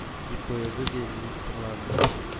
— дип боерды, ди, министрларына